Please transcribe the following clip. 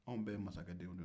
anw bɛɛ ye mansakɛ denw de ye